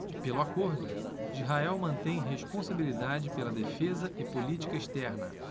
pelo acordo israel mantém responsabilidade pela defesa e política externa